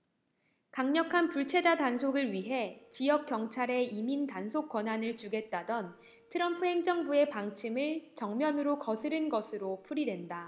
강력한 불체자 단속을 위해 지역 경찰에 이민 단속 권한을 주겠다던 트럼프 행정부의 방침을 정면으로 거스른 것으로 풀이된다